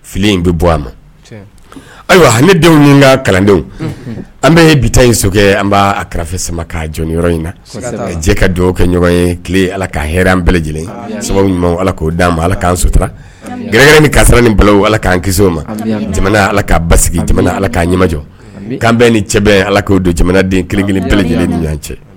Fili in bɛ bɔ a ma ayiwa ne denw ka kalandenw an bɛ ye bi in sokɛ an b'a kɛrɛfɛ samama ka jɔn yɔrɔ in na jɛ ka dɔw kɛ ɲɔgɔn ye tile ala ka h an bɛɛ lajɛlen sababu ala k'o di an ma ala k'an sotura gɛrɛrɛn ni kasira ni balo ala k'an ki o ma jamana ala ka ba sigi jamana ala k kaa ɲɛjɔ k'an bɛɛ ni cɛ bɛ ala k'o don jamanaden ki bɛɛ lajɛlen ni ɲɔgɔn cɛ